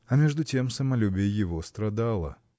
А между тем самолюбие его страдало.